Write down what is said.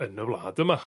yn y wlad yma